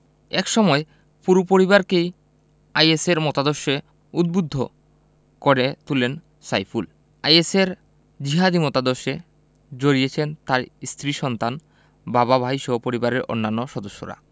একসময় পুরো পরিবারকেই আইএসের মতাদর্শে উদ্বুদ্ধ করে তোলেন সাইফুল আইএসের জিহাদি মতাদর্শে জড়িয়েছেন তাঁর স্ত্রী সন্তান বাবা ভাইসহ পরিবারের অন্যান্য সদস্যরা